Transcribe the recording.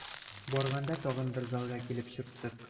Барганда тагын бер залга килеп чыктык.